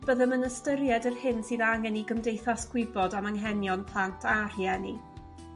Byddem yn ystyried yr hyn sydd angen i gymdeithas gwybod am anghenion plant a rhieni.